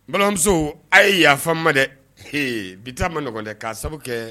Balimamuso a ye yafa nma dɛ bi ta man nɔgɔn dɛ k'a sababu kɛ